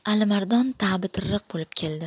alimardon ta'bi tirriq bo'lib keldi